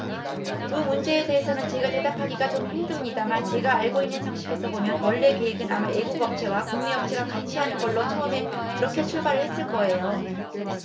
그 문제에 대해서는 제가 대답하기가 좀 힘듭니다만 제가 알고 있는 상식에서 보면 원래 계획은 아마 외국 업체와 국내 업체가 같이 하는 걸로 처음에 그렇게 출발을 했을 거예요